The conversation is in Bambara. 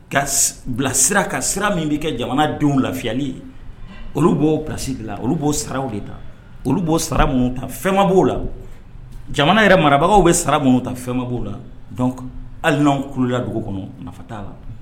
Ka bila sira ka sira min bɛ kɛ jamana denw lafiyali ye olu b'o bilasi la olu b'o saraw de ta olu' sara minnu ta fɛnma b'o la jamana yɛrɛ marabagaw bɛ sara minnu ta fɛnma b'o la alila dugu kɔnɔ nafa t' la